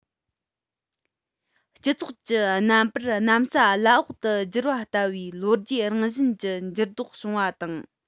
སྤྱི ཚོགས ཀྱི རྣམ པར གནམ ས བླ འོག ཏུ འགྱུར བ ལྟ བུའི ལོ རྒྱུས རང བཞིན གྱི འགྱུར ལྡོག བྱུང བ དང